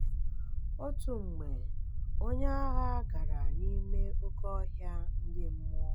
Otu mgbe, onye agha gara n'ime oke ọhịa ndị mmụọ.